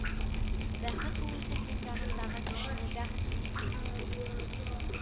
Бәхет ул үзеңнең яныңдагы кешене бәхетле итү, мин